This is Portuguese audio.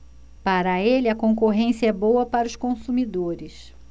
para ele a concorrência é boa para os consumidores